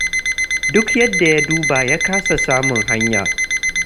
Duk yadda ya duba, ya kasa samun hanya.